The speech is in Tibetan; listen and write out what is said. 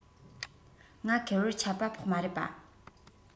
ང ཁེར བོར ཆད པ ཕོག མ རེད པ